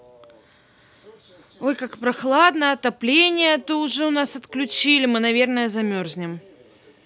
ой как прохладно отопление то уже у нас отключили мы наверное замерзнем